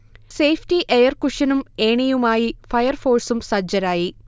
safety air കുഷനും ഏണിയുമായി fire ഫോഴ്സും സജ്ജരായി